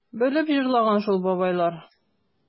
Белеп җырлаган шул бабайлар...